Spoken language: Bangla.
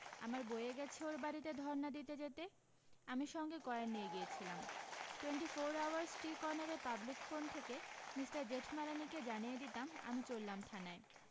আমার বয়ে গেছে ওর বাড়ীতে ধরণা দিতে যেতে আমি সঙ্গে কয়েন নিয়ে গিয়েছিলাম টোয়েন্টি ফোর আওয়ার্স টি কর্ণারের পাবলিক ফোন থেকে মিষ্টার জেঠমালানিকে জানিয়ে দিতাম আমি চললাম থানায়